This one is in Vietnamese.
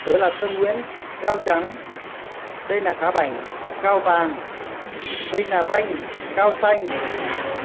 tớ là thơ nguyễn gao trắng đây là khá bảnh gao vàng đây là vanh gao xanh